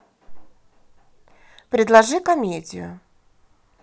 предложи комедию